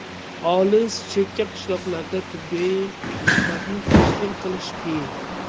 olis chekka qishloqlarda tibbiy xizmatni tashkil qilish qiyin